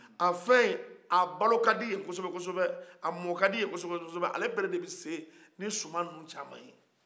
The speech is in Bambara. a fɛn in a balo ka di ye kosɛbɛkosɛbɛ a mɔn ka di ye kosɛbɛkosɛbɛ ale pere de bɛ se ni suman tɔw cama ye